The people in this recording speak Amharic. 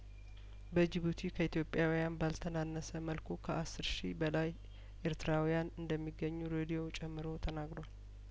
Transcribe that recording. በጅቡቲ ከኢትዮጵያውያን ባልተና ነሰ መልኩ ከአስር ሺ በላይ ኤርትራውያን እንደሚገኙ ሬዲዮው ጨምሮ ተናግሯል